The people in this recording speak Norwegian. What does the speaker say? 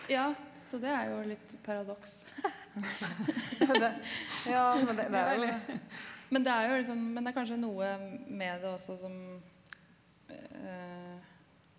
ja så det er jo litt paradoks men det er jo liksom men det er kanskje noe med det også som .